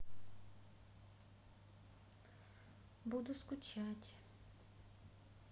буду скучать